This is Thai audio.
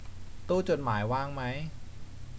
ตู้จดหมายว่างไหม